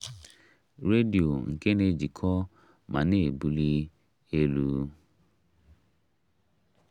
Redio nke na-ejikọ ma na-ebuli elu